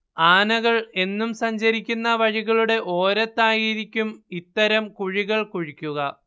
ആനകൾ എന്നും സഞ്ചരിക്കുന്ന വഴികളുടെ ഓരത്തായിരിക്കും ഇത്തരം കുഴികൾ കുഴിക്കുക